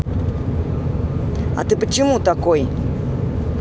а ты почему такой